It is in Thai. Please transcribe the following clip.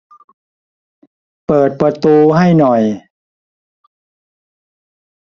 เปิดประตูให้หน่อย